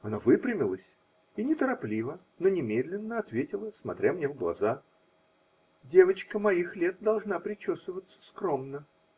Она выпрямилась и неторопливо, но немедленно ответила, смотря мне в глаза -- Девочка моих лет должна причесываться скромно.